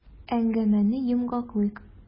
Әңгәмәне йомгаклыйк.